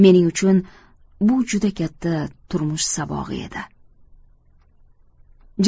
mening uchun bu juda katta turmush sabog'i edi